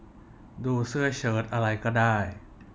ดูเสื้อเชิร์ตอะไรก็ได้